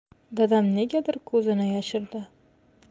dadam negadir ko'zini yashirdi